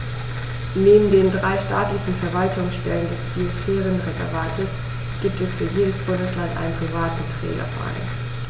Neben den drei staatlichen Verwaltungsstellen des Biosphärenreservates gibt es für jedes Bundesland einen privaten Trägerverein.